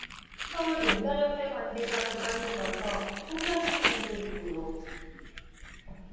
서울용달협회 관계자 기간이 길어서 포기하신 분도 있고요